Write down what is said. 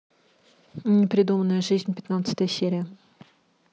непридуманная жизнь пятнадцатая серия